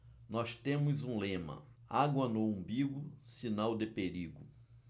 nós temos um lema água no umbigo sinal de perigo